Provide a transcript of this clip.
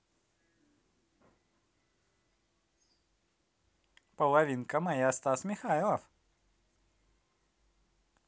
половинка моя стас михайлов